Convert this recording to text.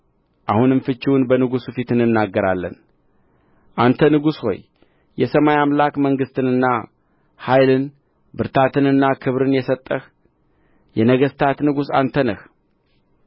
አሁንም ፍቺውን በንጉሡ ፊት እንናገራለን አንተ ንጉሥ ሆይ የሰማይ አምላክ መንግሥትንና ኃይልን ብርታትንና ክብርን የሰጠህ የነገሥታት ንጉሥ አንተ ነህ